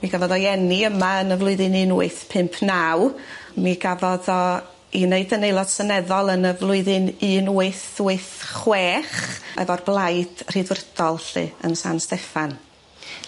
Mi gafodd o'i eni yma yn y flwyddyn un wyth pump naw mi gafodd o 'i neud yn Aelod Seneddol yn y flwyddyn un wyth wyth chwech efo'r blaid Rhyddfrydol 'lly yn San Steffan.